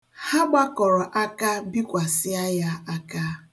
Ha gbakọrọ aka bikwasịa ya aka.